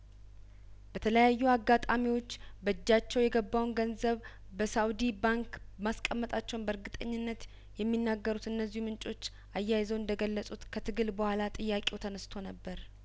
በተለያዩ አጋጣሚዎች በእጃቸው የገባውን ገንዘብ በሳኡዲ ባንክ ማስቀመጣቸውን በእርግጠኝነት የሚናገሩት እነዚሁ ምንጮች አያይዘው እንደገለጹት ከትግል በኋላ ጥያቄው ተነስቶ ነበር